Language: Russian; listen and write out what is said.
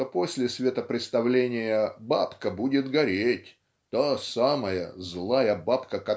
что после светопреставления бабка будет гореть та самая злая бабка